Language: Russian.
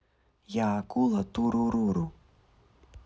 я акула туруруру